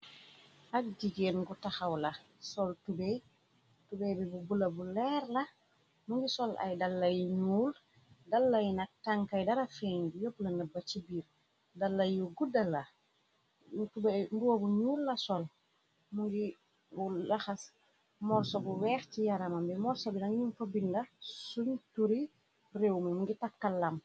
Ak jigeen gu taxaw la sol tubeebi bu bula bu leer la mu ngi sol ay dalayu ñuul dalay na tankay dara feeñ yopplana ba ci biir dala yu gudda la tubey mboo bu ñuul la sol mungi bu daxas morso bu weex ci yarama bi morso bi na ñuñ pa binda suñ turi réew mi mungi takkallam.